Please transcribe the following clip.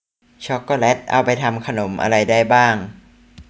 ช็อกโกแลตเอาไปทำขนมอะไรได้บ้าง